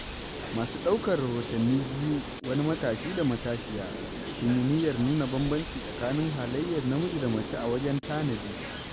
Masu ɗaukar rahotannin biyu, wani matashi da matashiya, sun yi niyyar nuna bambanci tsakanin halayyar namiji da mace a wajen tanadi.